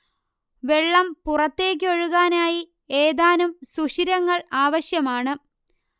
വെള്ളം പുറത്തേക്ക് ഒഴുകാനായി ഏതാനും സുഷിരങ്ങൾ ആവശ്യമാണ്